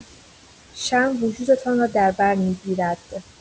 شرم وجودتان را در بر می‌گیرد.